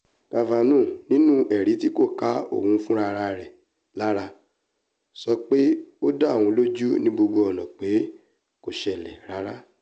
Kavanaugh, nínú ẹ̀rí tí kò ká òun fúnrarẹ̀ lára, sọ pé ó dá oùn lójú ní gbogbo ọ̀na pé kó ṣẹlẹ̀ rárá.